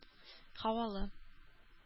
Һавалы